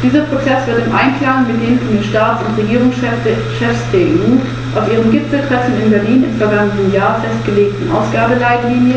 Diesem Punkt wird - wieder einmal - nicht die nötige Aufmerksamkeit gewidmet: Das geht nun schon all die fünf Jahre so, die ich